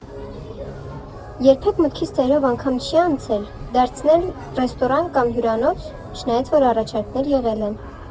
Երբեք մտքիս ծայրով անգամ չի անցել դարձնել ռեստորան կամ հյուրանոց, չնայած, որ առաջարկներ եղել են։